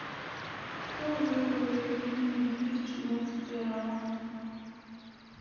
кто выиграл евровидение две тысячи двадцать первого